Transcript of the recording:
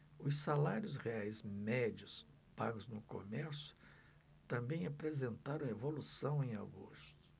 os salários reais médios pagos no comércio também apresentaram evolução em agosto